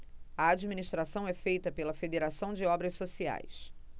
a administração é feita pela fos federação de obras sociais